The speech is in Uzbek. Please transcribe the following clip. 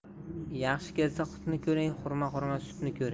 yaxshi kelsa hutni ko'ring xurma xurma sutni ko'ring